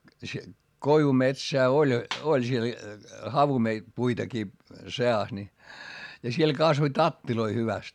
se koivumetsää oli oli siellä - puitakin seassa niin ja siellä kasvoi tatteja hyvästi